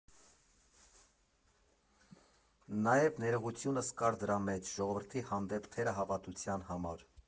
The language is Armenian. Նաև ներողությունս կար դրա մեջ, ժողովրդի հանդեպ թերահավատության համար։